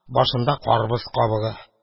Башында карбыз кабыгы…